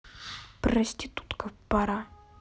проститутка пора